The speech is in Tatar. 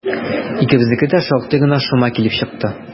Икебезнеке дә шактый гына шома килеп чыкты.